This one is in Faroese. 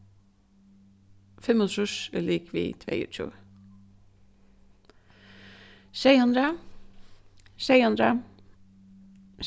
fimmogtrýss er ligvið tveyogtjúgu sjey hundrað sjey hundrað